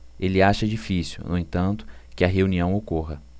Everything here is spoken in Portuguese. ele acha difícil no entanto que a reunião ocorra